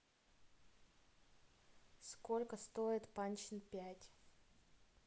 сколько стоит панчин пять